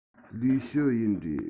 ལིའི ཞའོ ཡན རེད